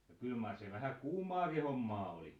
no kyllä mar se vähän kuumaakin hommaa oli